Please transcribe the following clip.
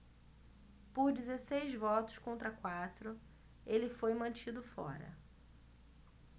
por dezesseis votos contra quatro ele foi mantido fora